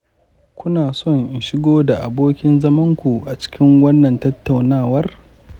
ku na son in shigo da abokin-zamanku a cikin wannan tattaunawar?